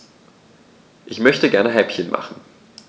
Ich möchte gerne Häppchen machen.